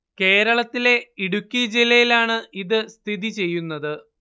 കേരളത്തിലെ ഇടുക്കി ജില്ലയിലാണ് ഇത് സ്ഥിതി ചെയ്യുന്നത്